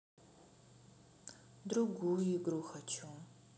другую игру хочу